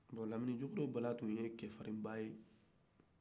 bon lamini jogorobala tun ye cɛ farin ba ye